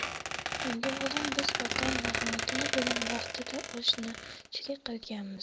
endi o'g'lim biz otang rahmatli bilan vaqtida oshnachilik qilganmiz